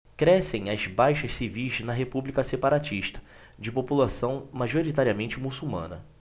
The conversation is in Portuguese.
crescem as baixas civis na república separatista de população majoritariamente muçulmana